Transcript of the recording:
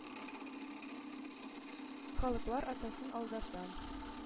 “халыклар атасын алдаса